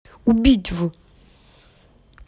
убить в